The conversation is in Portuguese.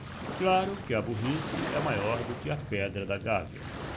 claro que a burrice é maior do que a pedra da gávea